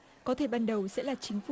có thể ban đầu sẽ là chính phủ